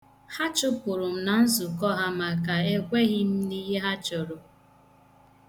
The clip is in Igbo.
Ha chụpụrụ m na nzukọ ha maka ekweghị m n'ihe ha chọrọ.